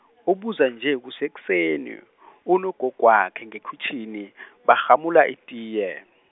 ubuza nje kusekuseni , unogogwakhe ngekhwitjhini, barhamula itiye.